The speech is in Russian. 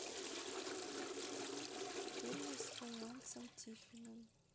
фильмы с файнсом тиффином